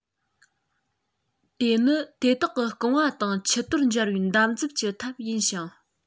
དེ ནི དེ དག གི རྐང བ དང མཆུ ཏོར འབྱར པའི འདམ རྫབ ཀྱི ཐབས ཡིན ཞིང